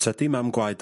Tydi mam gwaed...